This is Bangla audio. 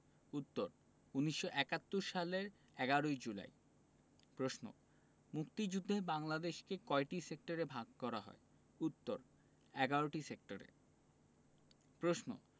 উত্তর ১৯৭১ সালের ১১ই জুলাই প্রশ্ন মুক্তিযুদ্ধে বাংলাদেশকে কয়টি সেক্টরে ভাগ করা হয় উত্তর ১১টি সেক্টরে প্রশ্ন